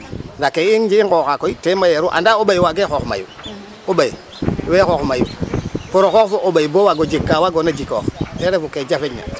Ndaa ke i nqooxaq koy te mayeeru anda yee o ɓay waagee xoox mayu, o ɓay wee xoox mayu pour o xoox fo o ɓay bo waeg o jeg ka waagona jikoox ten refu ke jafeñna.